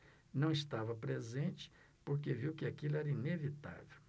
não estava presente porque viu que aquilo era inevitável